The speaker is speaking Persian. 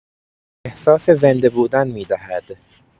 احساس زنده‌بودن می‌دهد.